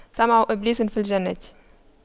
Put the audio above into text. طمع إبليس في الجنة